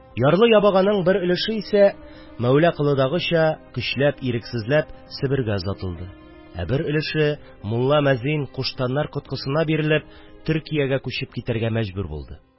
Ярлы-ябаганың бер өлеше исә, Мәүлә Колыдагыча, көчләп-ирексезләп Себергә озатылды, ә бер өлеше, мулла-мәзин, куштаннар коткысына бирелеп, Төркиягә күчеп китәргә мәҗбүр булды.